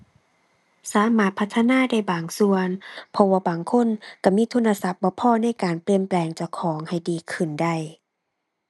สามารถพัฒนาได้บางส่วน เพราะว่าบางคนก็มีทุนทรัพย์บ่พอในการเปลี่ยนแปลงเจ้าของให้ดีขึ้นได้